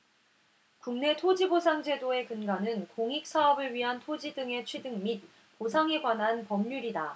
국내 토지보상제도의 근간은 공익사업을 위한 토지 등의 취득 및 보상에 관한 법률이다